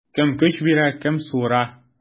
Кем көч бирә, кем суыра.